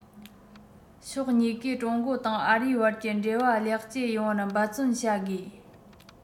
ཕྱོགས གཉིས ཀས ཀྲུང གོ དང ཨ རིའི བར གྱི འབྲེལ བ ལེགས བཅོས ཡོངས བར འབད བརྩོན བྱ དགོས